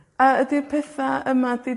A ydi'r petha yma 'di